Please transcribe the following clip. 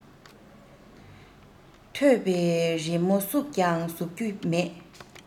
ཐོད པའི རི མོ བསུབས ཀྱང ཟུབ རྒྱུ མེད